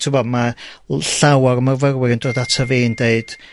twbo ma' l- llawar o myfyrwyr yn dod ata fi yn deud